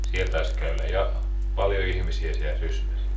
siellä taisi käydä ja paljon ihmisiä siellä Sysmässä